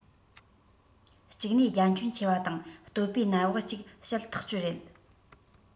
གཅིག ནས རྒྱ ཁྱོན ཆེ བ དང སྟོད བའི ནད བག ཅིག བཤད ཐག ཆོད རེད